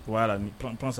Ko' la ni tɔnsa